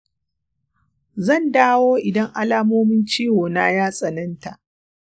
zandawo idan alamomin ciwona ya tsananta.